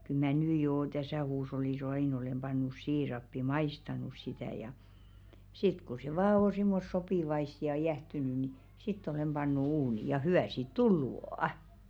kyllä minä nyt jo tässä huushollissa aina olen pannut siirappia maistanut sitä ja sitten kun se vain on semmoista sopivaista ja jäähtynyt niin sitten olen pannut uuniin ja hyvää siitä tullut on